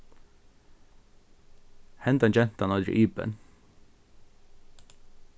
hendan gentan eitur iben